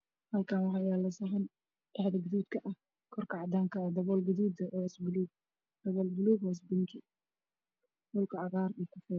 Meeshan waxa yaale saxan bariis ah oo ay ku jiraan hilib iyo qudaar kale